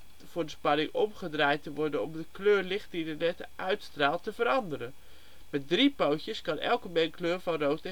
spanning omgedraaid te worden om de kleur licht die de led uitstraalt te veranderen. Met drie pootjes kan elke mengkleur van rood